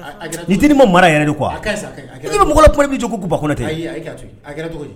Ni denin ma mara yɛrɛ de quoi a kaɲi sa, i ɲɛ bɛ mɔgɔ la kuma la i bɛ ni jɔ ko Baba Konatɛ.